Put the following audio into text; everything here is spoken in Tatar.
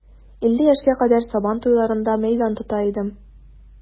Илле яшькә кадәр сабан туйларында мәйдан тота идем.